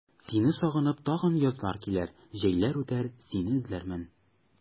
Сине сагынып тагын язлар килер, җәйләр үтәр, сине эзләрмен.